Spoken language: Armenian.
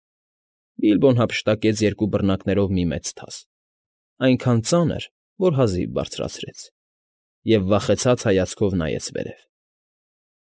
Բիլբոն հափշտակեց երկու բռնակներով մի մեծ թաս, այնքան ծանր, որ հազիվ բարձրացրեց, և վախեցած հայացքով նայեց վերև։